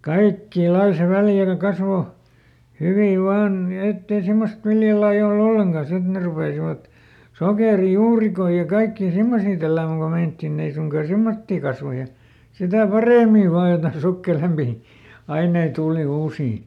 kaikkia lajia se - kasvoi hyvin vain niin että ei semmoista viljalajia ole ollenkaan ja sitten ne rupesivat sokerijuurikkaita ja kaikkia semmoisia tälläämään kun meinattiin ei suinkaan semmoisia kasva ja sitä paremmin vain jotakin sukkelampia aineita tuli uusia